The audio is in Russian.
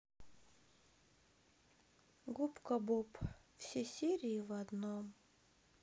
губка боб все серии в одном